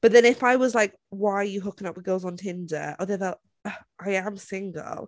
but then if I was like, why are you hooking up with girls on Tinder? Oedd e fel, "uh, I am single."